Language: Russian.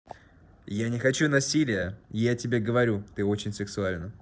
я не хочу насилия я тебе говорю ты очень сексуальная